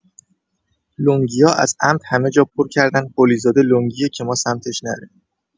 لنگیا از عمد همجا پر کردن قلیزاده لنگیه که ما سمتش نریم